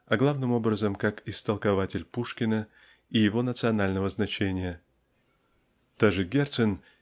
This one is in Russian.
а главным образом как истолкователь Пушкина и его национального значения. Даже Герцен